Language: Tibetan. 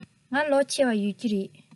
ང ལོ ཆེ བ ཡོད ཀྱི རེད